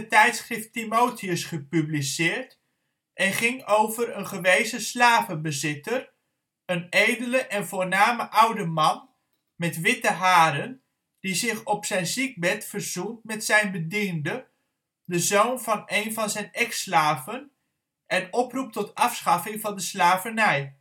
tijdschrift Timotheus gepubliceerd, en ging over een gewezen slavenbezitter, een edele en voorname oude man met witte haren, die zich op zijn ziekbed verzoent met zijn bediende, de zoon van een van zijn ex-slaven, en oproept tot afschaffing van de slavernij